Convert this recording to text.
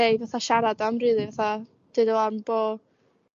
lle i fatha' siarad am rili fatha' deu' 'wan fatha' bo'